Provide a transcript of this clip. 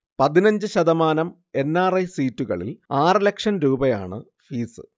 പതിനഞ്ച് ശതമാനം N. R. I സീറ്റുകളിൽ ആറ് ലക്ഷം രൂപയാണ് ഫീസ്